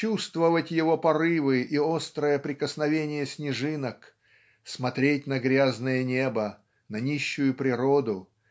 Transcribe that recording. чувствовать его порывы и острое прикосновение снежинок смотреть на грязное небо на нищую природу